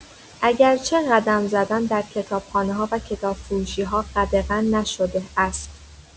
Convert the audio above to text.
اگرچه قدم زدن در کتابخانه‌ها و کتاب‌فروشی‌ها قدغن نشده است!